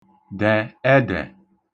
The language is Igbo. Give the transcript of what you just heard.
ḋẹ̀ (ẹḋẹ̀)